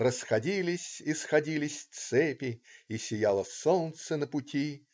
Расходились и сходились цепи, И сияло солнце на пути.